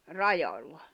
rajalla